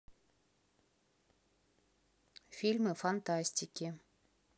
фильмы фантастики